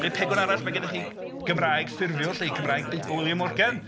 Neu' pegwn arall ma' gennych chi Gymraeg ffurfiol 'lly, Cymraeg Beibl Wiliam Morgan.